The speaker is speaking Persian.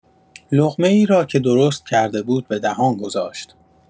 لقمه‌ای را که درست کرده بود به دهان گذاشت.